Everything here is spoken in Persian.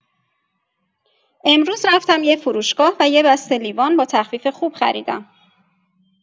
امروز رفتم یه فروشگاه و یه بسته لیوان با تخفیف خوب خریدم.